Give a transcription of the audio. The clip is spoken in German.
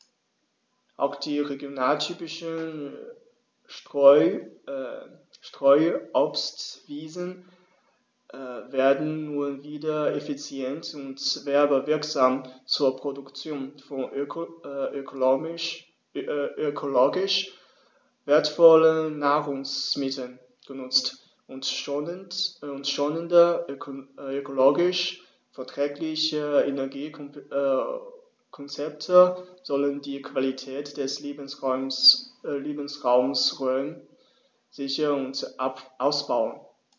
Auch die regionaltypischen Streuobstwiesen werden nun wieder effizient und werbewirksam zur Produktion von ökologisch wertvollen Nahrungsmitteln genutzt, und schonende, ökologisch verträgliche Energiekonzepte sollen die Qualität des Lebensraumes Rhön sichern und ausbauen.